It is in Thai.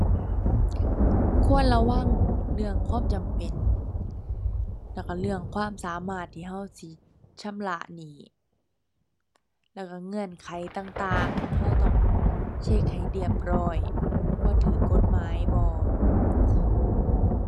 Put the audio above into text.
ควรระวังเรื่องความจำเป็น แล้วก็เรื่องความสามารถที่ก็สิชำระหนี้ แล้วก็เงื่อนไขต่างต่าง ก็ต้องเช็กให้เรียบร้อยว่าก็กฎหมายบ่